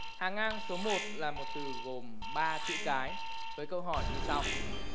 hàng ngang số một là một từ gồm ba chữ cái với câu hỏi như sau